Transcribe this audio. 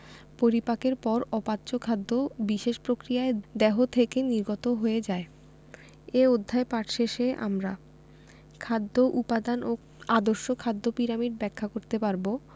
পরিপাকের পর অপাচ্য খাদ্য বিশেষ প্রক্রিয়ায় দেহ থেকে নির্গত হয়ে যায় এ অধ্যায় পাঠ শেষে আমরা খাদ্য উপাদান ও আদর্শ খাদ্য পিরামিড ব্যাখ্যা করতে পারব